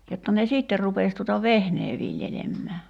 jotta ne sitten rupesi tuota vehnää viljelemään